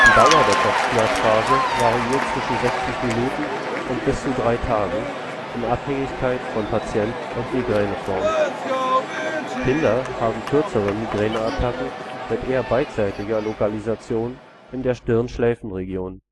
Dauer der Kopfschmerzphase variiert zwischen 60 Minuten und bis zu drei Tagen in Abhängigkeit von Patient und Migräneform. Kinder haben kürzere Migräneattacken mit eher beidseitiger Lokalisation in der Stirn-Schläfenregion